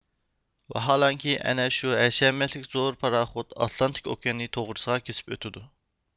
ۋەھالەنكى ئەنە شۇ ھەشەمەتلىك زور پاراخوت ئاتلانتىك ئوكياننى توغرىسىغا كېسىپ ئۆتۈدۇ